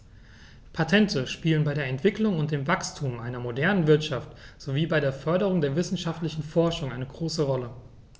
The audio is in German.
Patente spielen bei der Entwicklung und dem Wachstum einer modernen Wirtschaft sowie bei der Förderung der wissenschaftlichen Forschung eine große Rolle.